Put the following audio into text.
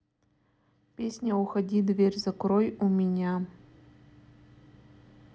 песня уходи дверь закрой у меня